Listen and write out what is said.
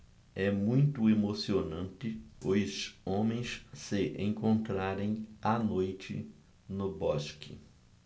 é muito emocionante os homens se encontrarem à noite no bosque